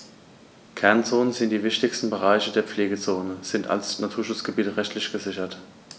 Kernzonen und die wichtigsten Bereiche der Pflegezone sind als Naturschutzgebiete rechtlich gesichert.